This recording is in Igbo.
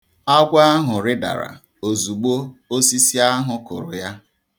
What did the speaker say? Agwọ ahụ rịdara ozugbu osisi ahụ kụrụ ya.